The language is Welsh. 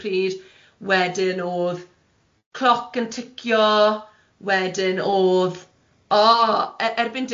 pryd, wedyn o'dd cloc yn ticio, wedyn o'dd e- erbyn diwedd